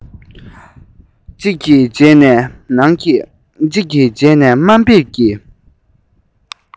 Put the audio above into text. ཅིག གིས རྗེས ནས དམའ འབེབས ཀྱི